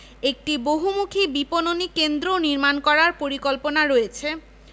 একটি বহুমুখী বিপনণি কেন্দ্রও নির্মাণ করার পরিকল্পনা রয়েছে